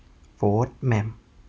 โฟธแหม่ม